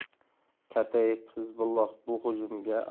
kataib hizbulloh bu hujumlarga